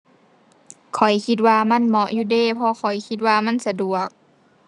ข้อยคิดว่ามันเหมาะอยู่เดะ เพราะข้อยคิดว่ามันสะดวก